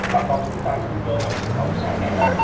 bà con của chúng ta thu gom và xuất khẩu sang đài loan